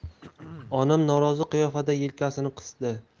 onam norozi qiyofada yelkasini qisdi